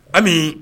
Ami